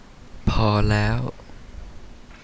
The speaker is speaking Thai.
พอแล้ว